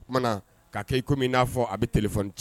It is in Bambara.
O kumana kai kɔmi min n'a fɔ a bɛ t ci